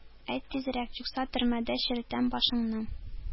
Йт тизрәк, юкса төрмәдә черетәм башыңны!